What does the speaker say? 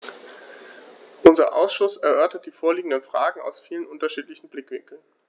Unser Ausschuss erörtert die vorliegenden Fragen aus vielen unterschiedlichen Blickwinkeln.